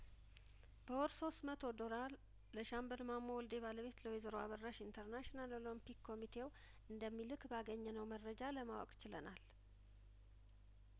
በወር ሶስት መቶ ዶራል ለሻምበል ማሞ ወልዴ ባለቤት ለወይዘሮ አበራሽ ኢንተርናሽናል ኦሎምፒክ ኮሚቴው እንደሚልክ ባገኘ ነው መረጃ ለማወቅችለናል